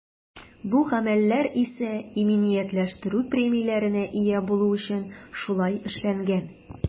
Бу гамәлләр исә иминиятләштерү премияләренә ия булу өчен шулай эшләнгән.